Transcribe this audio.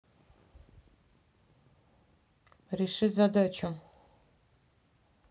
реши задачу